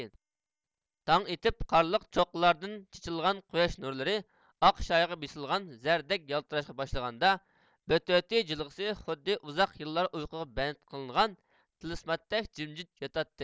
تاڭ ئېتىپ قارلىق چوققىلاردىن چېچىلغان قۇياش نۇرلىرى ئاق شايىغا بېسىلغان زەردەك يالتىراشقا باشلىغاندا بۆتۆتى جىلغىسى خۇددى ئۇزاق يىللار ئۇيقۇغا بەند قىلىنغان تىلسىماتتەك جىمجىت ياتاتتى